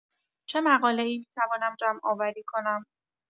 چه مقاله‌ای می‌توانم جمع‌آوری کنم.